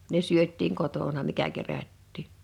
ne syötiin kotona mikä kerättiin